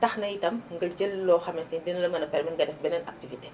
tax na itam nga jël loo xam ne dinala mën a permettre nga def beneen activité